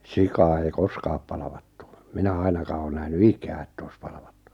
sikaa ei koskaan palvattu minä ainakaan ole nähnyt ikänä että olisi palvattu